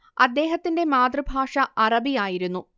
അദ്ദേഹത്തിന്റെ മാതൃഭാഷ അറബി ആയിരുന്നു